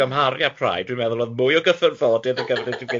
o gymharu a Pride dwi'n meddwl o'dd mwy o gyfarfodydd ar gyfer y digwyddiad